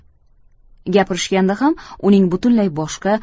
gapirishganda ham uning butunlay boshqa